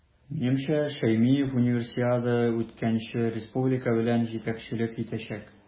Минемчә, Шәймиев Универсиада үткәнче республика белән җитәкчелек итәчәк.